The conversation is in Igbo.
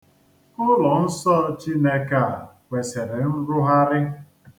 Ụlọ nsọ Chineke a kwesịrị nrụgharị.